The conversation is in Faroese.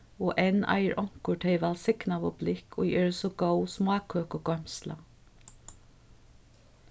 og enn eigur onkur tey vælsignaðu blikk ið eru so góð smákøkugoymsla